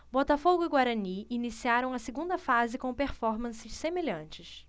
botafogo e guarani iniciaram a segunda fase com performances semelhantes